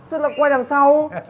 sao lại quay đằng sau